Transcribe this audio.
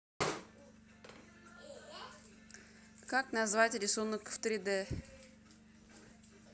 как назвать рисунок в три дэ